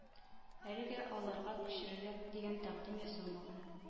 Әлегә аларга күчерергә дигән тәкъдим ясалмаган